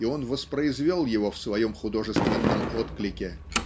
и он воспроизвел ею в своем художественном отклике.